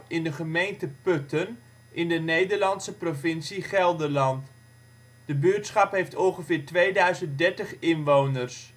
in de gemeente Putten in de Nederlandse provincie Gelderland; de buurtschap heeft ongeveer 2030 inwoners